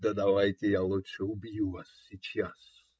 Да давайте, я лучше убью вас сейчас!